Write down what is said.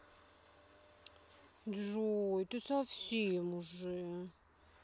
джой ты совсем уже